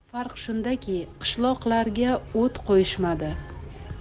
farq shundaki qishloqlarga o't qo'yishmadi